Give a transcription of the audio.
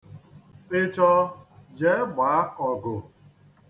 I chọọ, i jee gbaa ọgụ.